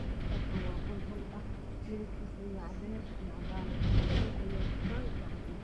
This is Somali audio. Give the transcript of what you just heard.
Halkan waa qol hool ah midbkis ow yahay cades io cadan dhulka oow yahay kafey io cades